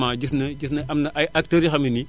vraiment gis ne gis ne am na ay acteurs yoo xam ne nii